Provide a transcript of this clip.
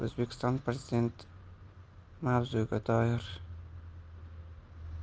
o'zbekiston prezidentimavzuga doir